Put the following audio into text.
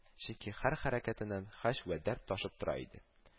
Чөнки һәр хәрәкәтеннән һәч вә дәрт ташып тора иде